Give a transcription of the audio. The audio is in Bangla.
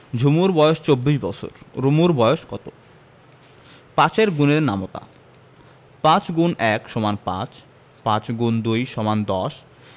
ঝুমুর বয়স ২৪ বছর রুমুর বয়স কত ৫ এর গুণের নামতা ৫গুণ ১ সমান ৫ ৫গুণ ২ সমান ১০